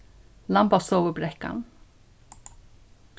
lambastovubrekkan